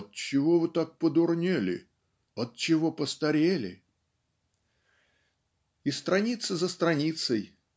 "отчего вы так подурнели? отчего постарели?". И страница за страницей